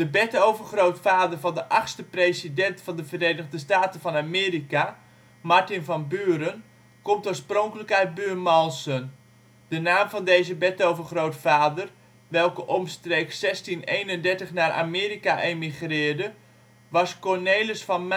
betovergrootvader, van de 8e president van de Verenigde Staten van Amerika, Martin van Buren, komt oorspronkelijk uit Buurmalsen. De naam van deze betovergrootvader, welke omstreeks 1631 naar Amerika emigreerde, was Cornelis van